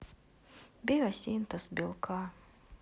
биосинтез белка